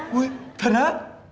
ui thật á